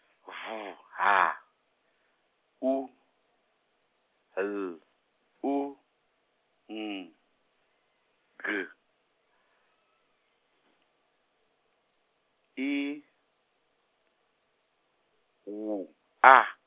V H, U, L, U, N, G, I, W A.